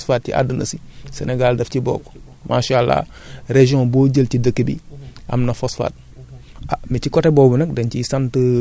fukki dëkk yi dàq a exploiter phosphate ci àdduna si Sénégal daf ci bokk maasaa àllaa région boo jël ci dëkk bi